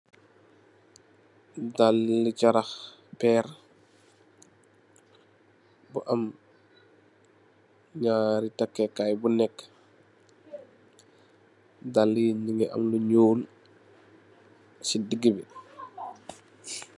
Daali charah perr bu am nyarri takeh kai buneka daalii nyungi am lu nyuul sey digi bi.